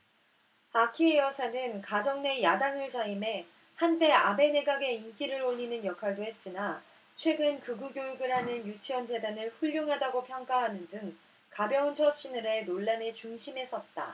아키에 여사는 가정 내 야당을 자임해 한때 아베 내각의 인기를 올리는 역할도 했으나 최근 극우교육을 하는 유치원재단을 훌륭하다고 평가하는 등 가벼운 처신을 해 논란의 중심에 섰다